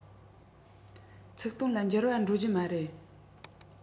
ཚིག དོན ལ འགྱུར བ འགྲོ རྒྱུ མ རེད